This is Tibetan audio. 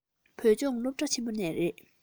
བོད ལྗོངས སློབ གྲྭ ཆེན མོ ནས རེད